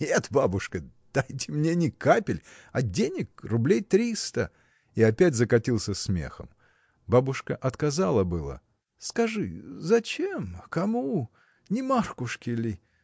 — Нет, бабушка, дайте мне не капель, а денег рублей триста. И опять закатился смехом. Бабушка отказала было. — Скажи, зачем, кому? Не Маркушке ли?